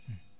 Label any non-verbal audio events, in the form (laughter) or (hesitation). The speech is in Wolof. (hesitation) (hesitation)